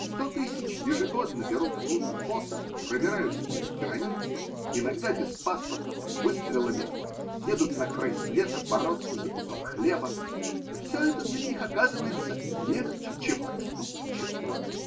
сто тысяч ежегодно берут в руки посох, пробираются через границу, иногда без паспорта, под выстрелами, – едут на край света бороться за кусок хлеба, и все это для них оказывается легче, чем отступничество!